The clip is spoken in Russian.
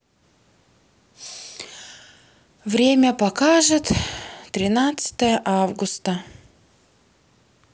время покажет тринадцатое августа